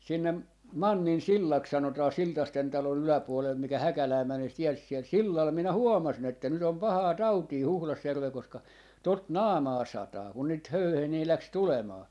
sinne Manninsillaksi sanotaan Siltasten talon yläpuolella mikä Häkälään menee se tie siellä sillalla minä huomasin että nyt on pahaa tautia Huhdasjärvellä koska tuota naamaan sataa kun niitä höyheniä lähti tulemaan